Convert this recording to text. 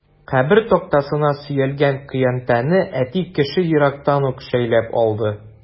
Кабер тактасына сөялгән көянтәне әти кеше ерактан ук шәйләп алды.